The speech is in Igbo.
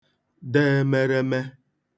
də̣ emereme